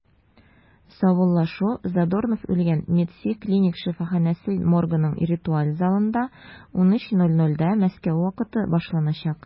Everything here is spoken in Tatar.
Саубуллашу Задорнов үлгән “МЕДСИ” клиник шифаханәсе моргының ритуаль залында 13:00 (мск) башланачак.